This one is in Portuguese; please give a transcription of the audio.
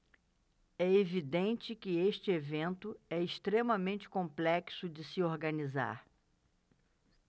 é evidente que este evento é extremamente complexo de se organizar